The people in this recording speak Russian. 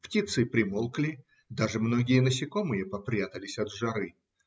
птицы примолкли, даже многие насекомые попрятались от жары.